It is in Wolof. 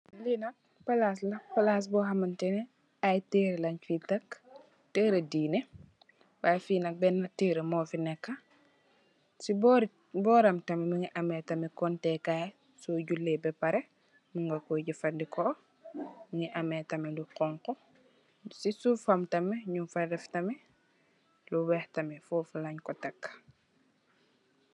Lii nak plass la, plass bor hamanteh neh aiiy tehreh len fii tek, tehreh dineh, yy fii nak benu tehreh mofi neka, cii bohri bohram tamit mungy ameh tamit conteh kaii sor juleh beh pareh mun nga kor jeufandehkor, mungy ameh tamit lu honhu, cii suffam tamit njung fa deff tamit lu wekh tamit fofu lenkor tek.